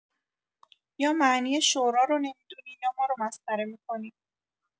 یا معنی شورا رو نمی‌دونی یا ما رو مسخره می‌کنی